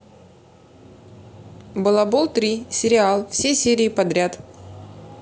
балабол три сериал все серии подряд